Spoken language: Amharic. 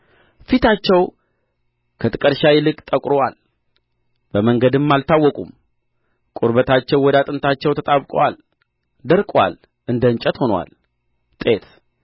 ፊታቸው ከጥቀርሻ ይልቅ ጠቍሮአል በመንገድም አልታወቁም ቁርበታቸው ወደ አጥንታቸው ተጣብቆአል ደርቆአል እንደ እንጨት ሆኖአል ጤት